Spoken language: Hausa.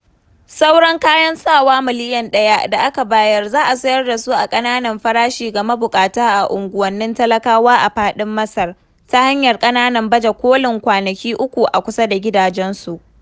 Sauran kayan sawa miliyan ɗaya da aka bayar, za a sayar da su a ƙananan farashi ga mabuƙata a unguwannin talakawa a faɗin Masar, ta hanyar ƙananan baje kolin kwanaki 3 a kusa da gidajensu.